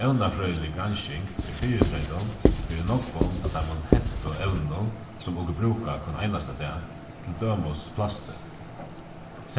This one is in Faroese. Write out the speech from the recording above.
evnafrøðilig gransking er fyritreytin fyri nógvum av teimum hentu evnunum sum okur brúka hvønn einasta dag til dømis plasti